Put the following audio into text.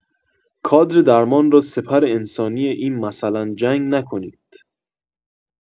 کادر درمان را سپر انسانی این مثلا جنگ نکنید.